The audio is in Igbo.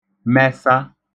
mẹsa